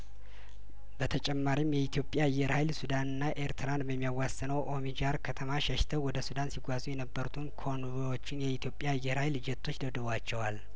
በተጨማሪም የኢትዮጵያ አየር ሀይል ሱዳንና ኤርትራን በሚያዋስነው ኦሆማጅር ከተማ ሸሽተው ወደ ሱዳን ሲጓዙ የነበሩትን ኮንቮዮችን የኢትዮጵያ አየር ሀይል ጄቶች ደብድበዋቸዋል